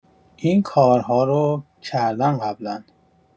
این‌کارها رو کردن قبلا.